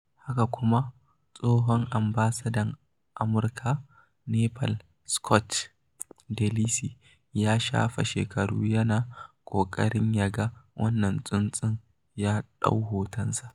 Haka kuma, tsohon ambasadan Amurka a Nepal, Scott DeLisi ya shafe shekaru yana ƙoƙarin ya ga wannan tsuntsu ya ɗau hotonsa.